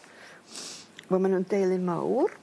Wel ma' nw'n deulu mawr.